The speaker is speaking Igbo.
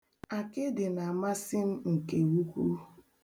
Akịdị na-amasị m nke ukwu.